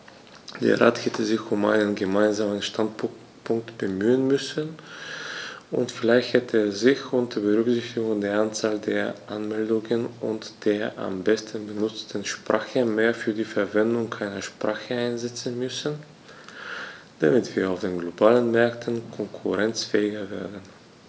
Der Rat hätte sich um einen gemeinsamen Standpunkt bemühen müssen, und vielleicht hätte er sich, unter Berücksichtigung der Anzahl der Anmeldungen und der am meisten benutzten Sprache, mehr für die Verwendung einer Sprache einsetzen müssen, damit wir auf den globalen Märkten konkurrenzfähiger werden.